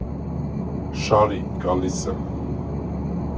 Շարի, գալիս եմ։